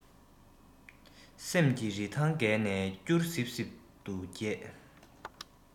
སེམས ཀྱི རི ཐང བརྒལ ནས སྐྱུར སིབ སིབ ཏུ གྱེས